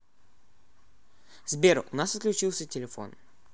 сбер у нас отключился телефон